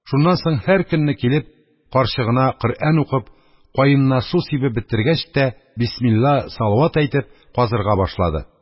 Шуннан соң һәр көнне килеп, карчыгына Коръән укып, каенына су сибеп бетергәч тә, бисмилла, салават әйтеп, казырга башлады.